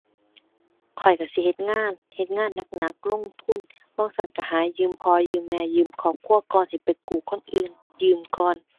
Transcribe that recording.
ข้อยก็สิเฮ็ดงาน เฮ็ดงานหนักหนัก ลงทุน บ่ซั้นก็หายืมพ่อ ยืมแม่ ยืมครอบครัวก่อนสิไปกู้คนอื่น ยืมก่อน